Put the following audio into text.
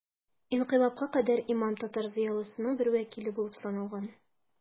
Инкыйлабка кадәр имам татар зыялысының бер вәкиле булып саналган.